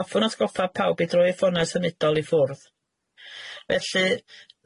Hoffwn atgoffa pawb i droi i ffonau symudol i ffwrdd, felly